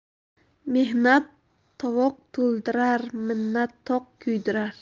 mehnat tovoq to'ldirar minnat toq kuydirar